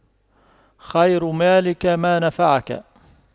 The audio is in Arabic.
خير مالك ما نفعك